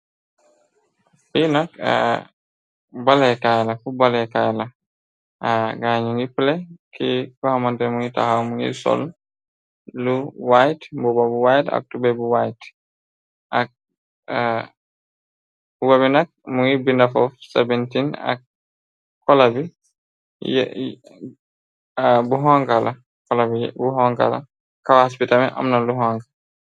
Pinak balekaayla ku balekaayla gaañu ngi ple ki ko xamante mu taxa m ngir sol lu whyte boba bu wyte aktube bu white ua bi nak mungir bi ndafa sebentin akkola bi bu hongala kawaas bi tame amna lu honga.